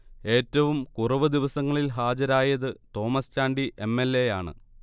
ഏറ്റവും കുറവ് ദിവസങ്ങളിൽ ഹാജരായത് Thomas Chandy M. L. A. യാണ്